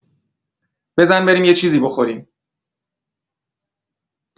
بزن بریم یه چیزی بخوریم